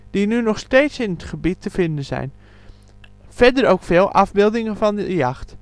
die nu nog steeds in het gebied te vinden zijn. Verder ook veel afbeeldingen van de jacht